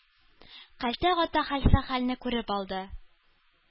Кәлтә Гата хәлфә хәлне күреп алды.